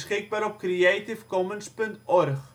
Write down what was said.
51° 53 ' NB, 5° 43 ' OL